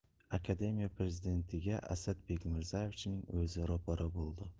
akademiya prezidentiga asad bekmirzaevichning o'zi ro'para bo'ldi